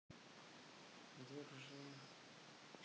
держи